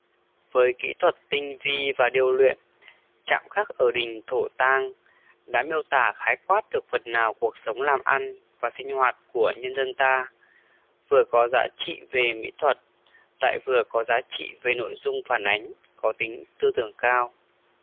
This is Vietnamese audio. với kỹ thuật tinh vi và điêu luyện chạm khắc ở đình thổ tang đã miêu tả khái quát được phần nào cuộc sống làm ăn và sinh hoạt của nhân dân ta vừa có giá trị về mỹ thuật lại vừa có giá trị về nội dung phản ánh có tính tư tưởng cao